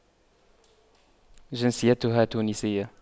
جنسيتها تونسية